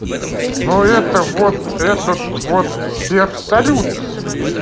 ну это вот этот вот сбер салют